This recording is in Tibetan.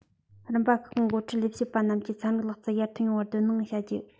རིམ པ ཁག གི འགོ ཁྲིད ལས བྱེད པ རྣམས ཀྱིས ཚན རིག ལག རྩལ ཡར ཐོན ཡོང བར དོ སྣང བྱ རྒྱུ